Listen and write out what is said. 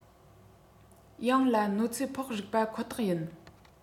ཡང ལ གནོད འཚེ ཕོག རིགས པ ཁོ ཐག ཡིན